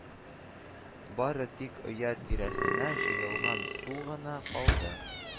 Бары тик оя тирәсенә җыелган су гына калды